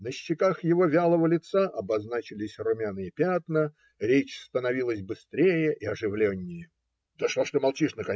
На щеках его вялого лица обозначались румяные пятна, речь становилась быстрее и оживленнее. Да что ж ты молчишь